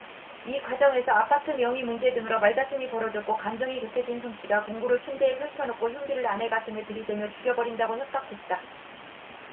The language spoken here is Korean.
이 과정에서 아파트 명의 문제 등으로 말다툼이 벌어졌고 감정이 격해진 송씨가 공구를 침대에 펼쳐놓고 흉기를 아내 가슴에 들이대며 죽여버린다고 협박했다